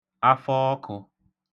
afọọkụ̄